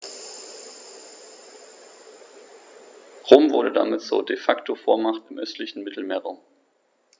Rom wurde damit zur ‚De-Facto-Vormacht‘ im östlichen Mittelmeerraum.